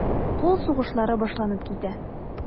Кул сугышлары башланып китә.